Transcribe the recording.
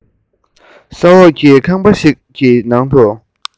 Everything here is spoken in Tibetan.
ས འོག གི ཁང པ ཞིག གི ནང དུ